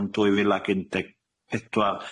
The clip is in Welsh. yn dwy fil ag un deg pedwar.